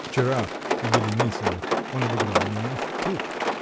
вчера у Беленицыных он обыграл меня в пух.